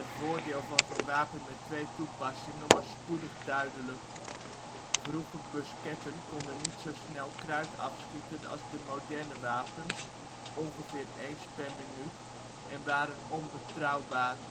voordeel van zo 'n wapen met twee toepassingen was spoedig duidelijk. Vroege musketten konden niet zo snel kruit afschieten als de moderne wapens (ongeveer eens per minuut) en waren onbetrouwbaar